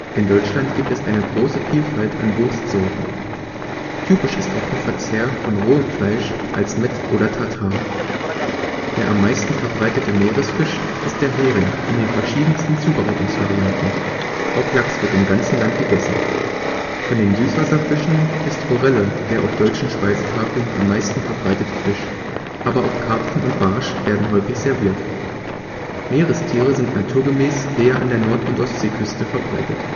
In Deutschland gibt es eine große Vielfalt an Wurstsorten. Typisch ist auch der Verzehr von rohem Fleisch als Mett oder Tatar. Der am meisten verbreitete Meeresfisch ist der Hering in den verschiedensten Zubereitungsvarianten. Auch Lachs wird im ganzen Land gegessen. Von den Süßwasserfischen ist Forelle der auf deutschen Speisetafeln am meisten verbreitete Fisch, aber auch Karpfen und Barsch werden häufig serviert. Meerestiere sind naturgemäß eher an der Nord - und Ostseeküste verbreitet